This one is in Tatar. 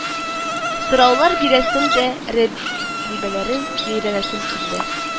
Сораулар бирәсем, тә рибәләрен өйрәнәсем килде